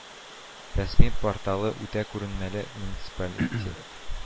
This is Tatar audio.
Рәсми порталы үтә күренмәле муниципалитет